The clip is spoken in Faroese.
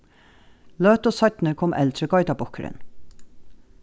løtu seinni kom eldri geitarbukkurin